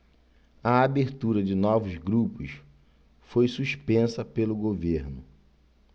a abertura de novos grupos foi suspensa pelo governo